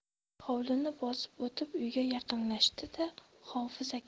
hovlini bosib o'tib uyga yaqinlashdi da hofiz aka